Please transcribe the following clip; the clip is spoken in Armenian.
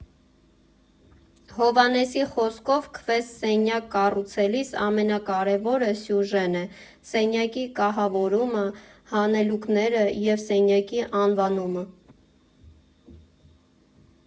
Հովհաննեսի խոսքով՝ քվեսթ սենյակ կառուցելիս ամենակարևորը սյուժեն է, սենյակի կահավորումը, հանելուկները և սենյակի անվանումը.